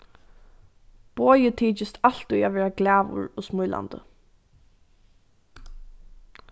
bogi tykist altíð at vera glaður og smílandi